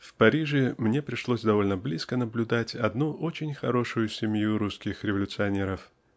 В Париже мне пришлось довольно близко наблюдать одну очень хорошую семью русских революционеров.